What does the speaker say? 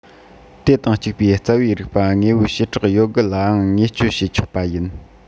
དེ དང གཅིག པའི རྩ བའི རིགས པ དངོས པོའི བྱེ བྲག ཡོད དགུ ལའང དངོས སྤྱོད བྱེད ཆོག པ ཡིན